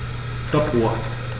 Stoppuhr.